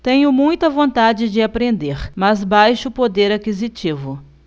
tenho muita vontade de aprender mas baixo poder aquisitivo